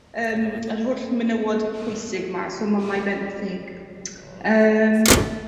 yym yr holl menywod pwysig 'ma. So mamau benthyg. Yym.